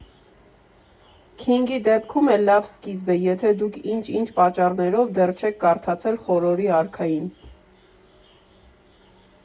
Քինգի դեպքում էլ լավ սկիզբ է, եթե դուք ինչ֊ինչ պատճառներով դեռ չեք կարդացել հորորի արքային.